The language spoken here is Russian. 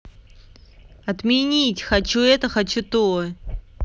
отменить хочу это хочу то